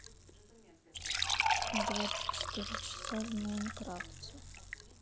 двадцать четыре часа в майнкрафте